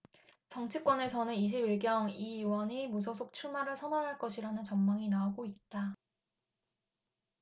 정치권에서는 이십 일 경 이 의원이 무소속 출마를 선언할 것이라는 전망이 나오고 있다